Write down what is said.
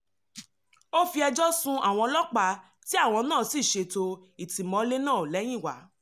Ó fi ẹjọ́ sùn àwọn ọlọ́pàá tí àwọn náà sí ṣètò ìtìmọ́lé náà lẹ́yìnwá.